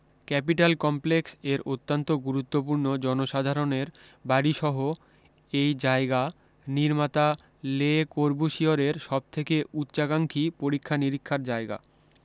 capital complex এর অত্যন্ত গুরুত্বপূর্ণ জনসাধারনের বাড়ী সহ এই জায়গা নির্মাতা লে করবুশিয়রের সবথেকে উচ্চাকাঙ্ক্ষী পরীক্ষা নিরীক্ষার জায়গা